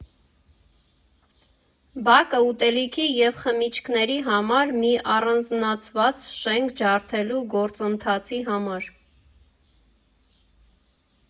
Բակը՝ ուտելիքի և խմիչքների համար, մի առանձնացված շենք՝ ջարդելու գործընթացի համար։